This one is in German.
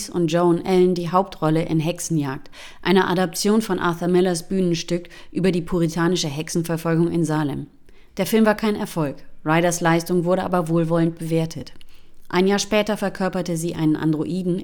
und Joan Allen die Hauptrolle in Hexenjagd, einer Adaption von Arthur Millers Bühnenstück über die puritanische Hexenverfolgung in Salem. Der Film war kein Erfolg; Ryders Leistung wurde aber wohlwollend bewertet. Ein Jahr später verkörperte sie einen Androiden